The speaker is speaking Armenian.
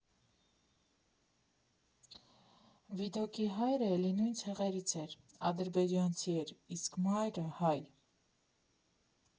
Վիդոկի հայրը էլի նույն ցեղերից էր, ադրբեջանցի էր, իսկ մայրը հայ էր։